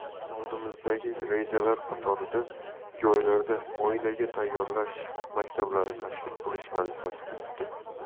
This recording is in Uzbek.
oldimizdagi rejalar qatorida joylarda oilaga tayyorlash maktablari tashkil qilish vazifasi turibdi